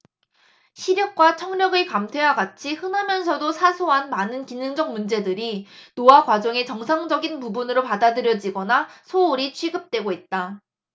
시력과 청력의 감퇴와 같이 흔하면서도 사소한 많은 기능적 문제들이 노화 과정의 정상적인 부분으로 받아들여지거나 소홀히 취급되고 있다